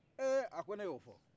ee a ko ne y'o fɔ